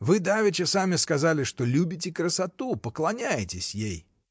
— Вы давеча сами сказали, что любите красоту, поклоняетесь ей.